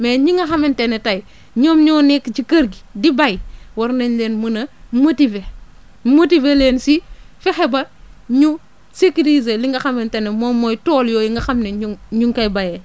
mais ñi nga xamante ne tey ñoom ñoo nekk ci kër gi di bay war nañ leen mun a motiver motiver leen si fexe ba ñu sécuriser li nga xamante ne moom mooy tool yooyu nga xam ne ñu ñu ngi koy bayee